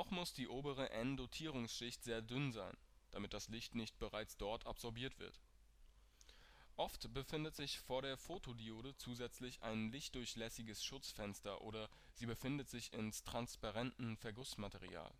muss die obere n-Dotierungsschicht sehr dünn sein, damit das Licht nicht bereits dort absorbiert wird. Oft befindet sich vor der Photodiode zusätzlich ein lichtdurchlässiges Schutzfenster oder sie befindet sich in transparentem Vergussmaterial